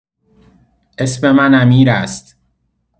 اسم من امیر است.